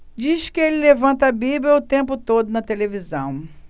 diz que ele levanta a bíblia o tempo todo na televisão